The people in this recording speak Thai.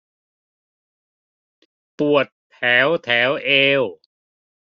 ปวดแถวแถวเอว